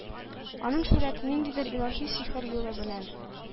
Аның сурәте ниндидер илаһи сихер юлы белән